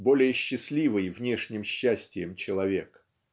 более счастливый внешним счастьем человек?